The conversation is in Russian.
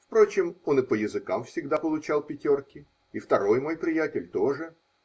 Впрочем, он и по языкам всегда получал пятерки, и второй мой приятель тоже.